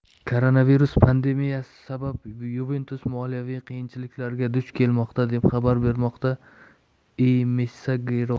koronavirus pandemiyasi sabab yuventus moliyaviy qiyinchiliklarga duch kelmoqda deb xabar bermoqda ii messaggero